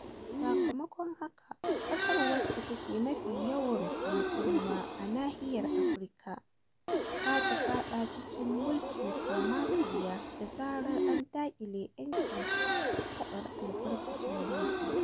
Sakamakon haka, ƙasar wacce take mafi yawan al'umma a nahiyar Afirka za ta faɗa cikin mulkin kama karya da zarar an daƙile 'yancin faɗar albarkacin baki.